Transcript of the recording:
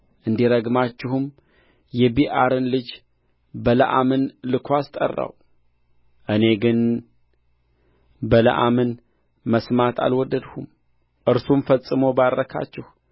እንዲረግማችሁም የቢዖርን ልጅ በለዓምን ልኮ አስጠራው እኔ ግን በለዓምን መስማት አልወደድሁም እርሱም ፈጽሞ ባረካችሁ